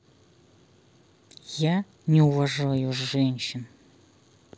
я не уважаю женщин